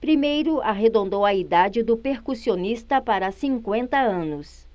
primeiro arredondou a idade do percussionista para cinquenta anos